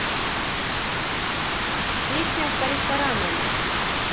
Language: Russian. песня по ресторанам